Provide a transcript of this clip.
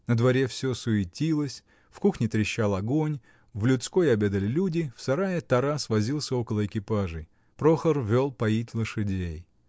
На дворе всё суетилось, в кухне трещал огонь, в людской обедали люди, в сарае Тарас возился около экипажей, Прохор вел поить лошадей.